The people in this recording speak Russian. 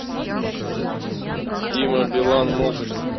дима билан музыка